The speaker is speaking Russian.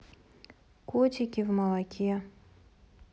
котики в молоке